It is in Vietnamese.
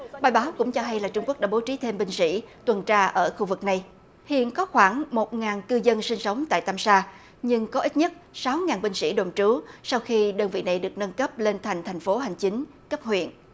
bài báo cũng cho hay là trung quốc đã bố trí thêm binh sĩ tuần tra ở khu vực này hiện có khoảng một ngàn cư dân sinh sống tại tam sa nhưng có ít nhất sáu ngàn binh sĩ đồn trú sau khi đơn vị này được nâng cấp lên thành thành phố hành chính cấp huyện